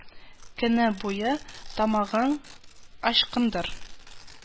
Көне буе тамагың ачкындыр